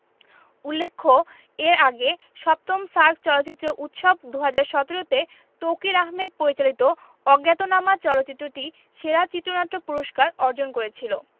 উল্লেখ্য এর আগে ৭ম সার্ক চলচ্চিত্র উৎসব ২০১৭ তে তৌকীর আহমেদ পরিচালিত অজ্ঞাতনামা চলচ্চিত্রটি সেরা চিত্রনাট্য পুরস্কার অর্জন করেছিল